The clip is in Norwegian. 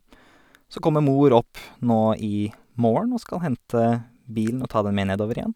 Så kommer mor opp nå i morgen og skal hente bilen og ta den med nedover igjen.